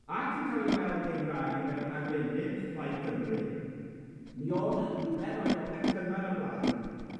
ac yn ca'l 'i weld gin rai fel rhagflaenydd Plaid Cymru, mi o' 'na nifer o aelode cynnar y blaid